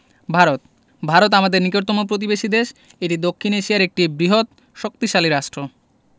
ভারতঃ ভারত আমাদের নিকটতম প্রতিবেশী দেশ এটি দক্ষিন এশিয়ার একটি বৃহৎও শক্তিশালী রাষ্ট্র